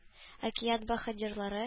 Әкият баһадирлары